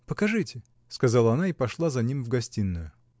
Покажите, — сказала она и пошла за ним в гостиную.